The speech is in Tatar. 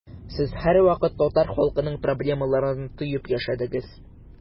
Сез һәрвакыт татар халкының проблемаларын тоеп яшәдегез.